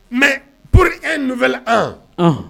Mɛ p e nfɛ an